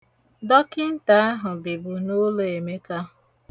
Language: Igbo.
Dọkịnta ahụ bibu n'ụlọ Emeka.